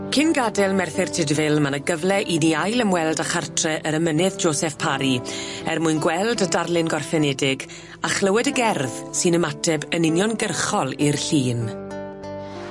Cyn gad'el Merthyr Tydfil ma' 'ny gyfle i ni ail ymweld â chartre yr emynydd Joseph Parry er mwyn gweld y darlun gorffenedig a chlywed y gerdd sy'n ymateb yn uniongyrchol i'r llun.